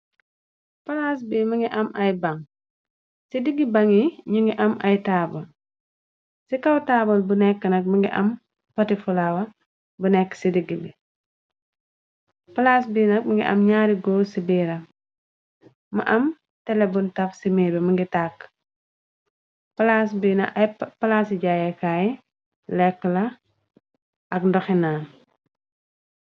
Palaas bi mi ngi am ay bang ci digg ba ngi ñu ngi am ay taaba ci kaw taabal bu nekk nag mi ngi am potifulawa bu nekk ci digg bi palaas bii nag mi ngi am ñaari góol ci biira ma am telebun taf ci miir bi mi ngi tàkk a palaas i jayyékaay lekk la ak ndoxinaan.